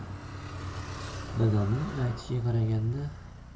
dadamning aytishiga qaraganda